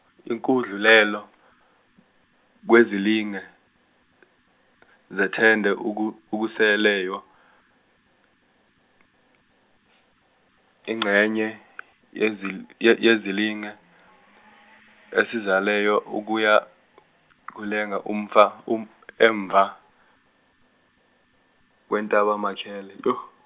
ikudluleleyo, kwezilinge, zethende oku- okuseleyo, ingxenye yezi- ye- yezilinge esiseleyo kuyakulenga umva, emva, kwetabemakele .